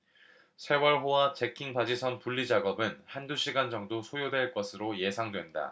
세월호와 잭킹 바지선 분리 작업은 한 두 시간 정도 소요될 것으로 예상된다